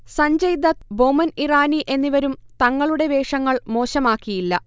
സഞ്ജയ്ദത്ത്, ബോമൻ ഇറാനി എന്നിവരും തങ്ങളുടെ വേഷങ്ങൾ മോശമാക്കിയില്ല